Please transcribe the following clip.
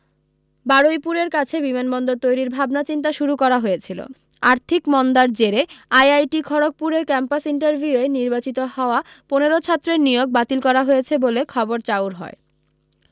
বারুইপুরের কাছে বিমানবন্দর তৈরীর ভাবনা চিন্তা শুরু করা হয়েছিলো আর্থিক মন্দার জেরে আইআইটি খড়গপুরে ক্যাম্পাস ইন্টারভিউয়ে নির্বাচিত হওয়া পনের ছাত্রের নিয়োগ বাতিল করা হয়েছে বলে খবর চাউর হয়